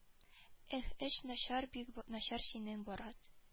Эх эш начар бик начар синең брат